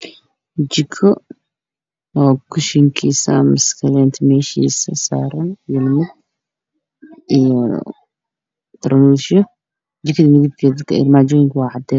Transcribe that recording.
Jiko oo kushiin leh iyo armaajooyin